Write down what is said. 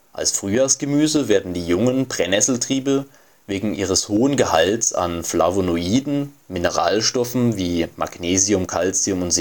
Als Frühjahrsgemüse werden die jungen Brennnesseltriebe wegen ihres hohen Gehalts an Flavonoiden, Mineralstoffen wie Magnesium, Kalzium